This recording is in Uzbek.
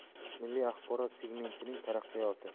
milliy axborot segmentining taraqqiyoti